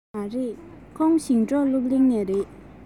མ རེད ཁོང ཞིང འབྲོག སློབ གླིང ནས རེད